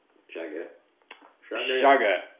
shag her shag her... shag her